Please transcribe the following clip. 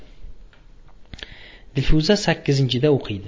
dilfuza sakkizinchida o'qiydi